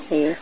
i